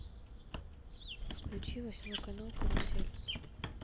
включи восьмой канал карусель